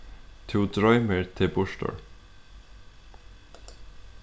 tú droymir teg burtur